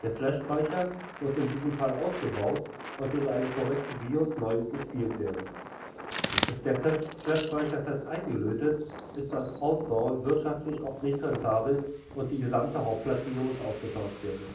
Flash-Speicher muss in diesem Fall ausgebaut und mit einem korrekten BIOS neu bespielt werden. Ist der Flash-Speicher fest eingelötet, ist das Ausbauen wirtschaftlich oft nicht rentabel und die gesamte Hauptplatine muss ausgetauscht werden